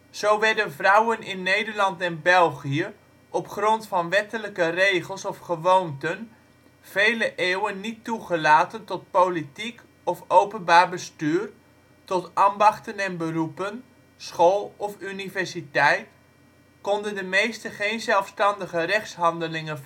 Zo werden vrouwen in Nederland en België op grond van wettelijke regels of gewoonten vele eeuwen niet toegelaten tot politiek of openbaar bestuur, tot ambachten en beroepen, school of universiteit, konden de meesten geen zelfstandige rechtshandelingen